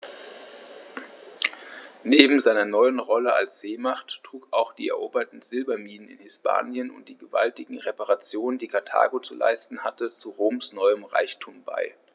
Neben seiner neuen Rolle als Seemacht trugen auch die eroberten Silberminen in Hispanien und die gewaltigen Reparationen, die Karthago zu leisten hatte, zu Roms neuem Reichtum bei.